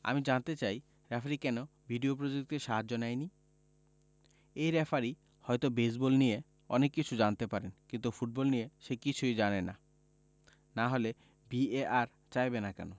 আমি জানতে চাই রেফারি কেন ভিডিও প্রযুক্তির সাহায্য নেয়নি এই রেফারি হয়তো বেসবল নিয়ে অনেক কিছু জানতে পারে কিন্তু ফুটবল নিয়ে সে কিছুই জানে না না হলে ভিএআর চাইবে না কেন